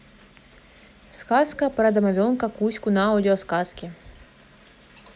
сказка про домовенка кузьку на аудиосказке